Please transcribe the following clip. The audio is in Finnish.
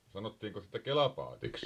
sanottiinko sitä kelapaatiksi